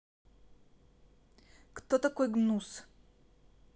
кто такой гнус